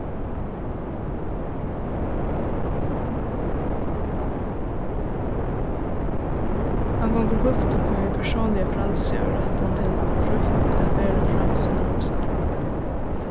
hann gongur høgt upp í persónliga frælsið og rættin til frítt at bera fram sínar hugsanir